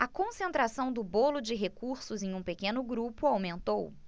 a concentração do bolo de recursos em um pequeno grupo aumentou